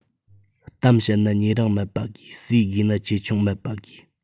གཏམ བཤད ན ཉེ རིང མེད པ དགོས ཟས བགོས ན ཆེ ཆུང མེད པ དགོས